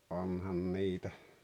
onhan niitä